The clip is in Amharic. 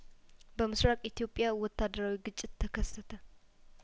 በምስራቅ ኢትዮጵያ ወታደራዊ ግጭት ተከሰተ